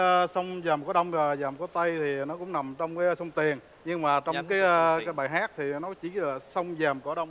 ơ sông vàm cỏ đông và vàm cỏ tây thì nó cũng nằm trong cái sông tiền nhưng mà trong cái ơ bài hát thì nó chỉ là sông vàm cỏ đông